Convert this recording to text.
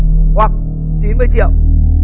hoặc chín mươi triệu